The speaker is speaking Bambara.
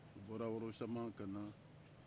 u bɔra worosama ka na